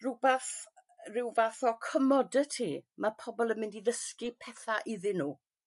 rwbath ryw fath o comodity ma' pobol yn mynd i dysgu petha iddyn nhw